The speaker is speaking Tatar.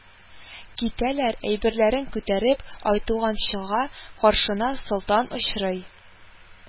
Китәләр, әйберләрен күтәреп, Айтуган чыга, каршына Солтан очрый